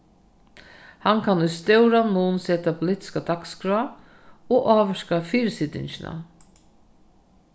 hann kann í stóran mun seta politiska dagsskrá og ávirka fyrisitingina